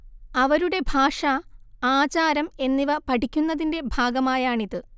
അവരുടെ ഭാഷ, ആചാരം എന്നിവ പഠിക്കുന്നതിന്റെ ഭാഗമായാണിത്‌